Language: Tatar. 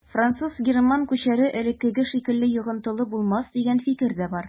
Француз-герман күчәре элеккеге шикелле йогынтылы булмас дигән фикер дә бар.